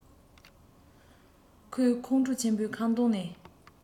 ཁོས ཁོང ཁྲོ ཆེན པོས ཁང སྟོང ནས